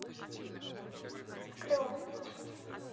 вклю